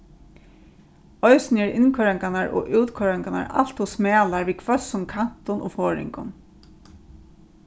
eisini eru innkoyringarnar og útkoyringarnar alt ov smalar við hvøssum kantum og forðingum